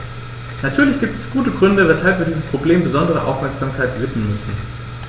Natürlich gibt es gute Gründe, weshalb wir diesem Problem besondere Aufmerksamkeit widmen müssen.